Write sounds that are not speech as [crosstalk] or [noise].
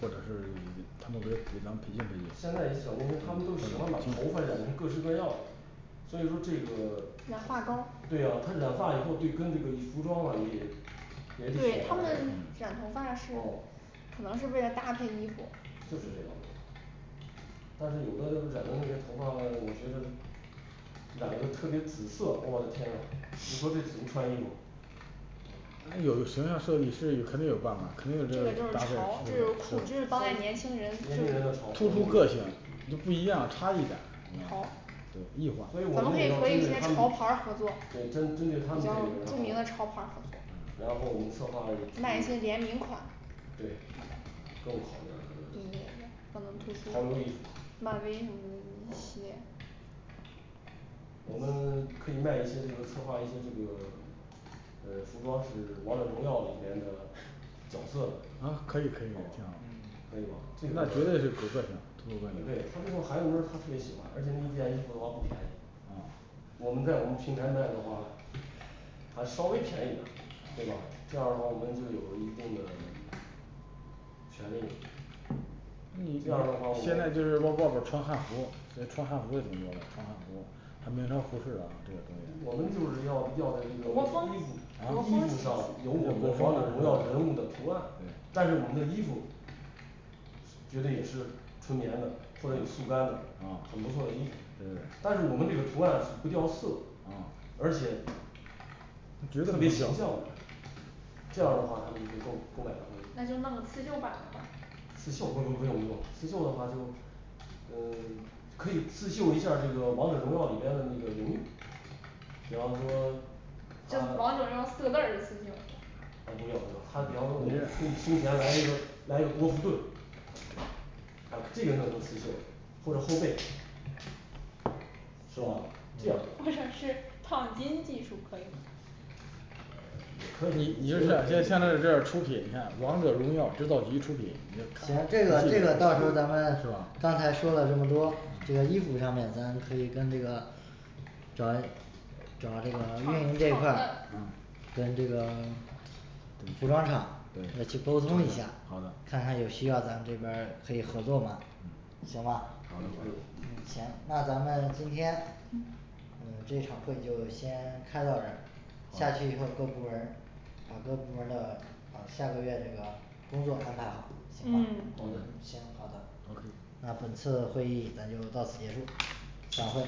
或者是 [silence] 他们给咱培训培训现在小年轻他们都喜欢把头发染成各式各样的所以说这个染发膏 [silence] 对呀他染发以后对跟这个服装啊也也得需对要他搭们染头配了发啊是可能是为了搭配衣服就是这样的但是有的 [silence] 染的那些头发，我觉得染了个就特别紫色，我的天呐，你说这怎么穿衣服嗯那有形象设计师肯定有办法肯定这个就是是搭配潮这就是酷就这就是当代跟年年轻轻人人的潮就年轻人的是突酷出个性就不一样的差距感你知道潮吧所以我咱们们可也以要和跟一着些他们潮牌儿合作比对较针著针对他们这个名的然潮后牌儿然后我们策划了一出卖一些联名款对更好点儿对的对 [silence] 潮流衣对服漫吧威什么什么的系列我们可以卖一些这个策划一些这个呃服装是王者荣耀里面的角色好吧啊可可以以吧可以可以这个 [silence] 那啊对他这绝对是个够个性的啊图鲁班的孩子们儿他特别喜欢而且那一件衣服的话不便宜我们在我们平台卖的话还稍微便宜点儿，对吧？这样的话我们就有一定的 [silence] 权利了嗯你这样儿的话我现在就是们说外面穿汉服对穿汉服的挺多的穿民族服饰的啊我们就是要要的这个衣国风国服风衣服也上有可我以们王者荣耀人物的图案但是我们的衣服绝对也是纯棉的或者有吸干的啊很不错的衣服对但是我们这个图案很不掉色嗯而且直的特别形象的这样儿的话他们就购购买的会那就弄个刺绣版的吧刺绣不不不用不用刺绣的话就呃 [silence] 可以刺绣一下儿这个王者荣耀里边的那个人物比方说它像王者荣耀四个字儿的刺绣啊不要不要它比方说我们可以胸前来一个来一个国服队把这个弄成刺绣或者后背是吧这样儿我想 [noise] 的是烫金技术可以不呃 [silence] 也可以别的你就可以就像那个出是品你看王者荣耀出品 [noise] 是行这个这个到时候咱们吧刚才说了这么多这个衣服上面咱可以跟这个找找这个运厂营这一块厂儿子跟这个服装厂要去对沟通一下好的看看有需要咱们这边儿可以合作吗嗯行吧可以可嗯行以那咱们今天嗯呃这一场会议就先开到这儿下去以后各部门儿把各部门儿的呃下个月这个工作看看行嗯吧好行嗯的好的 O K 那本次的会议咱就到此结束散会